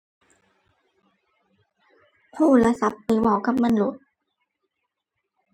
โทรศัพท์ไปเว้ากับมันโลด